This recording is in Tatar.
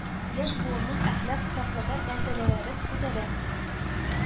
Яшь буынның әхлак сафлыгы мәсьәләләрен күтәрә